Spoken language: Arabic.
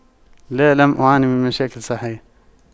لا لم أعاني من مشاكل صحية